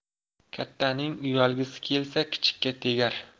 kattaning uyalgisi kelsa kichikka tegar